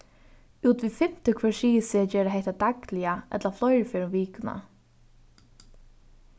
út við fimti hvør sigur seg gera hetta dagliga ella fleiri ferðir um vikuna